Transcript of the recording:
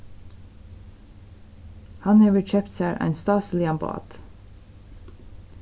hann hevur keypt sær ein stásiligan bát